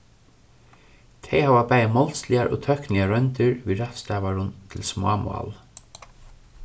tey hava bæði málsligar og tøkniligar royndir við rættstavarum til smá mál